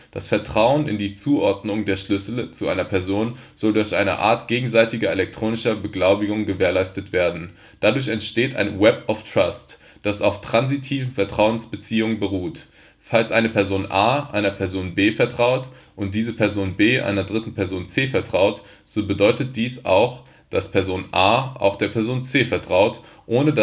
Das Vertrauen in die Zuordnung der Schlüssel zu einer Person soll durch eine Art gegenseitiger elektronischer Beglaubigungen gewährleistet werden. Dadurch entsteht ein Web of Trust, das auf transitiven Vertrauensbeziehungen beruht. Falls eine Person A einer Person B vertraut und diese Person B einer dritten Person C vertraut, so bedeutet dies, dass Person A auch der Person C vertraut, ohne